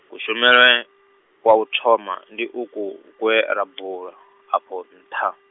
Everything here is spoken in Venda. kushumele, kwa u thoma ndi uku, kwe ra bula , afho nṱha.